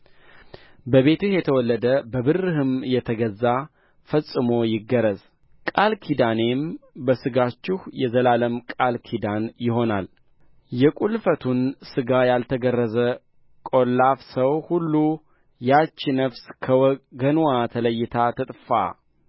በቤትህ የተወለደ በብርህም የተገዛ ፈጽሞ ይገረዝ ቃል ኪዳኔም በሥጋችሁ የዘላለም ቃል ኪዳን ይሆናል የቍልፈቱን ሥጋ ያልተገረዘ ቈላፍ ሰው ሁሉ ያች ነፍስ ከወገንዋ ተለይታ ትጥፋ